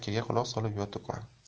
quloq solib yotibman